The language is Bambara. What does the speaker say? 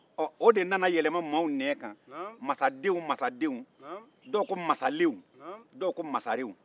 o de nana yɛlɛma mɔgɔw nɛn kan masadenw masadenw dɔw ko masalew dow ko masarenw